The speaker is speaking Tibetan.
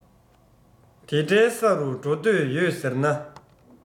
དེ འདྲའི ས རུ འགྲོ འདོད ཡོད ཟེར ན